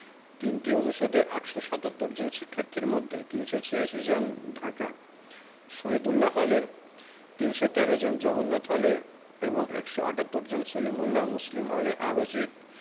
৩টি অনুষদের ৮৭৭ জন শিক্ষার্থীর মধ্যে ৩৮৬ জন ঢাকা শহীদুল্লাহ হলে ৩১৩ জন জগন্নাথ হলে এবং ১৭৮ জন সলিমুল্লাহ মুসলিম হলের আবাসিক